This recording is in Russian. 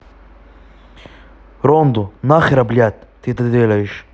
рондо нахера блять ты это делаешь